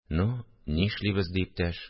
– ну, нишлибез? – ди иптәш